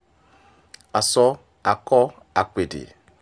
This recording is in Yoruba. A sọ, a kọ, a p'èdè.